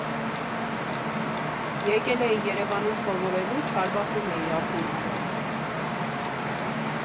Եկել էի Երևանում սովորելու, Չարբախում էի ապրում։